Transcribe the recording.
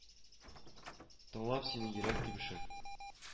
Тыңлап синең йөрәк тибешең